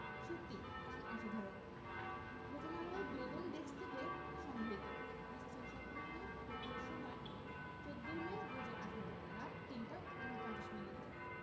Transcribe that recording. সত্যিই কান অসাধারণ প্রথমআলো এর বিনোদন ডেস্ক হতে সংগৃহীত লিখেছেনঃ স্বপন আহমেদ প্রকাশের সময় ১৪মে ২০১৮ রাত ৩টা ৪৯ মিনিট